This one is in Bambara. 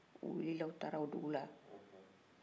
u wili la u taara o dugu la